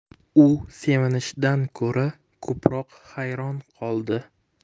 u sevinishdan ko'ra ko'proq hayron qoldi